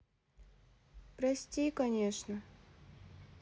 прости конечно